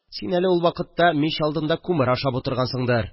Син әле ул вакытта мич алдында күмер ашап утыргансыңдыр